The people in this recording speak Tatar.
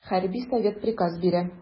Хәрби совет приказ бирә.